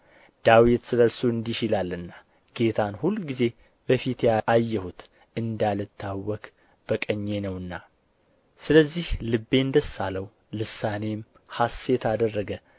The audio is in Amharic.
ዳዊት ስለ እርሱ እንዲህ ይላልና ጌታን ሁልጊዜ በፊቴ አየሁት እንዳልታወክ በቀኜ ነውና ስለዚህ ልቤን ደስ አለው ልሳኔም ሐሤት አደረገ